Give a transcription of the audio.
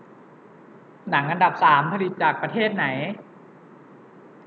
หนังอันดับสามผลิตจากประเทศไหน